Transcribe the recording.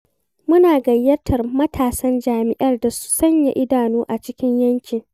Muna gayyatar matasan jam'iyyar da su sanya idanu a cikin yankin.